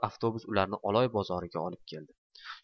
avtobus ularni oloy bozoriga olib keldi